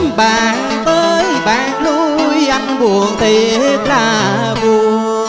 bàn tới bàn lui ăn buồn thiệt là buồn